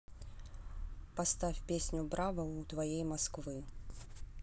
поставь песню браво у твоей москвы